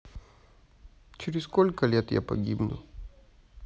через сколько лет я погибну